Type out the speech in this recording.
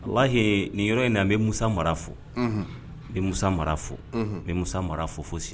' nin yɔrɔ in na n bɛ musa mara fo n bɛ musa mara fo n bɛ musa mara fo fo si